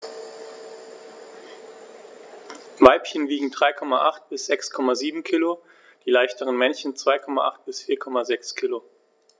Weibchen wiegen 3,8 bis 6,7 kg, die leichteren Männchen 2,8 bis 4,6 kg.